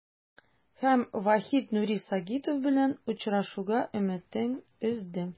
Һәм Вахит Нури Сагитов белән очрашуга өметен өзде.